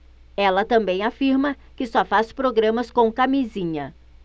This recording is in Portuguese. ela também afirma que só faz programas com camisinha